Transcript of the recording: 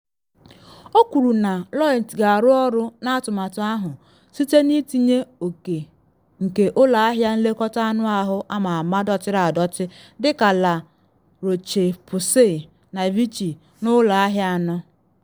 O kwuru na Lloyds ga-arụ ọrụ n’atụmatụ ahụ, site na itinye oke nke ụlọ ahịa nlekọta anụahụ ama ama dọtịrị adọtị dị ka La Roche-Posay na Vichy n’ụlọ ahịa anọ.